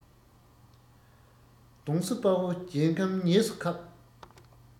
གདོང བསུ དཔའ བོ རྒྱལ ཁམས ཉེས སུ ཁག